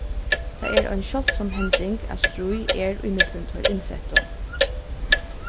tað er ein sjáldsom hending at stríð er ímillum teir innsettu